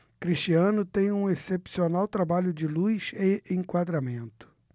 cristiano tem um excepcional trabalho de luz e enquadramento